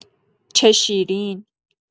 چه شیرین